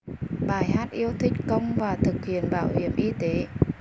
bài hát yêu thích công và thực hiện bảo hiểm y tế